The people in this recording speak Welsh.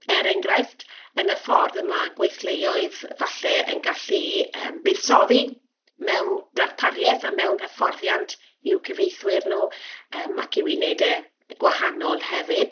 Er enghraifft, yn y ffordd y ma' gweithleoedd falle yn gallu yym buddsoddi mewn darpariaeth a mewn hyfforddiant i'w cyfieithwyr nhw yym ac i'w unedau gwahanol hefyd.